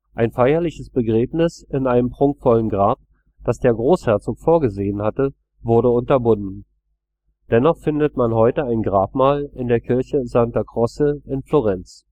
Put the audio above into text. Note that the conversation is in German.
Ein feierliches Begräbnis in einem prunkvollen Grab, das der Großherzog vorgesehen hatte, wurde unterbunden. Dennoch findet man heute ein Grabmal in der Kirche Santa Croce in Florenz